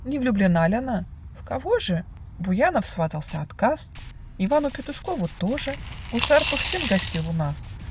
"Не влюблена ль она?" - В кого же? Буянов сватался: отказ. Ивану Петушкову - тоже. Гусар Пыхтин гостил у нас